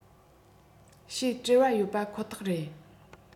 བཤད བྲེལ བ ཡོད པ ཁོ ཐག རེད